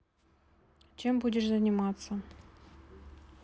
чем будешь заниматься